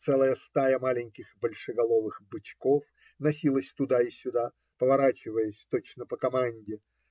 целая стая маленьких большеголовых "бычков" носилась туда и сюда, поворачиваясь точно по команде